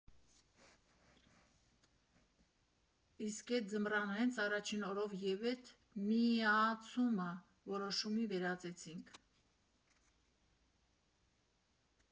Իսկ էդ ձմռան հենց առաջին օրով ևեթ «Մի՛֊ա՛֊ցո՛ւմ»֊ը որոշումի վերածեցինք.